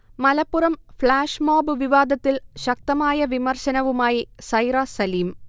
Malappuram flash mob വിവാദത്തിൽ ശക്തമായ വിമർശനവുമായി സൈറ സലീം